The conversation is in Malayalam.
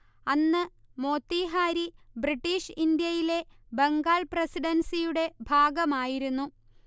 അന്ന് മോത്തിഹാരി ബ്രിട്ടീഷ് ഇന്ത്യയിലെ ബംഗാൾ പ്രസിഡൻസിയുടെ ഭാഗമായിരുന്നു